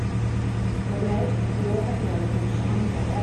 Og det er heilt uavhengig av hvilken sjanger det er.